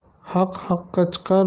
haq haqqa chiqar